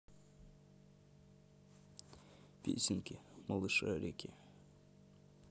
песенки малышарики